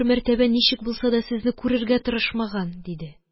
Мәртәбә ничек булса да сезне күрергә тырышмаган? – диде.